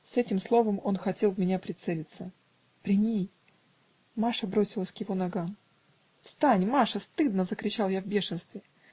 " С этим словом он хотел в меня прицелиться. при ней! Маша бросилась к его ногам. "Встань, Маша, стыдно! -- закричал я в бешенстве